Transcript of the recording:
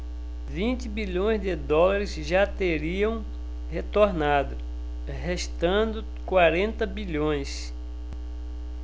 vinte bilhões de dólares já teriam retornado restando quarenta bilhões